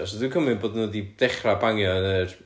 so dwi'n cymryd bod nhw 'di dechra bangio yn yr...